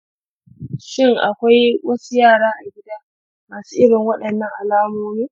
shin akwai wasu yara a gida masu irin waɗannan alamomin?